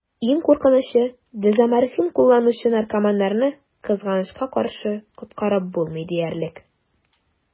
Иң куркынычы: дезоморфин кулланучы наркоманнарны, кызганычка каршы, коткарып булмый диярлек.